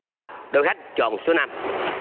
đội khách chọn số năm